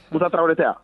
Nta taa tɛ